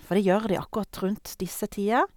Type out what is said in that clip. For det gjør de akkurat rundt disse tider.